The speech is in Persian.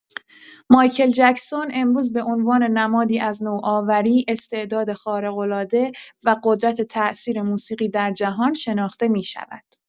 مایکل جکسون امروز به عنوان نمادی از نوآوری، استعداد خارق‌العاده و قدرت تأثیر موسیقی در جهان شناخته می‌شود.